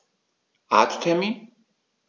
Arzttermin